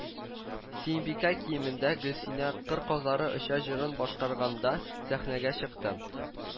Сөембикә киемендә Гөлсинә “Кыр казлары оча…” җырын башкарганда сәхнәгә чыкты